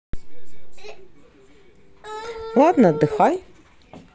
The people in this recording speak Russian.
ладно отдыхай